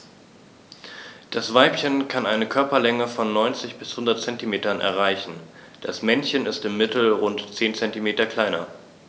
Das Weibchen kann eine Körperlänge von 90-100 cm erreichen; das Männchen ist im Mittel rund 10 cm kleiner.